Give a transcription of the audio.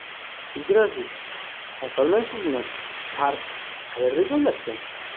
kechirasiz aytolmaysizmi park qayerda joylashgan